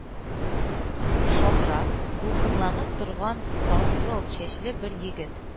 Шадра, дулкынланып торган саргылт чәчле бер егет: